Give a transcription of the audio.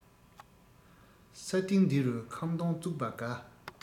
ས སྟེང འདི རུ ཁམ སྡོང བཙུགས པ དགའ